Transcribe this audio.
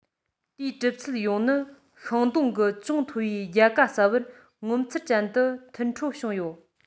དེའི གྲུབ ཚུལ ཡོངས ནི ཤིང སྡོང གི ཅུང མཐོ བའི ཡལ ག ཟ བར ངོ མཚར ཅན དུ མཐུན འཕྲོད བྱུང ཡོད